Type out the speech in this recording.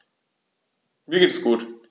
Mir geht es gut.